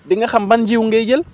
di nga xam ban jiw ngay jël